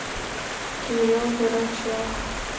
кирилл дурачек